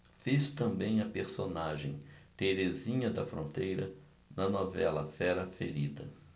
fez também a personagem terezinha da fronteira na novela fera ferida